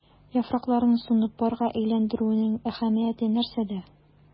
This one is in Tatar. Яфракларның суны парга әйләндерүнең әһәмияте нәрсәдә?